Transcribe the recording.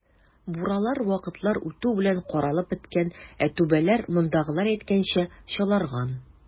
Буралар вакытлар үтү белән каралып беткән, ә түбәләр, мондагылар әйткәнчә, "чаларган".